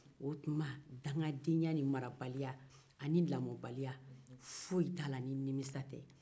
o tuma foyi tɛ dangadenya ni marabaliya la ni nimisa te